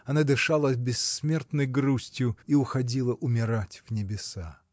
она дышала бессмертной грустью и уходила умирать в небеса.